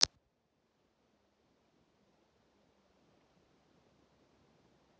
отключи телевизор через сорок пять минут